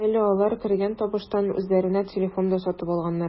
Әле алар кергән табыштан үзләренә телефон да сатып алганнар.